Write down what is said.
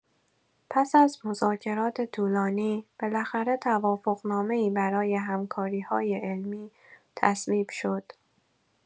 پس از مذاکرات طولانی، بالاخره توافق‌نامه‌ای برای همکاری‌های علمی تصویب شد.